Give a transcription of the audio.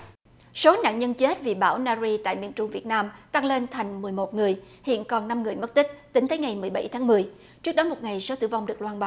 số nạn nhân chết vì bão na ri tại miền trung việt nam tăng lên thành mười một người hiện còn năm người mất tích tính tới ngày mười bảy tháng mười trước đó một ngày sau tử vong được loan báo